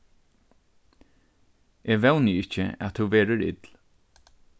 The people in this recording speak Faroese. eg vóni ikki at tú verður ill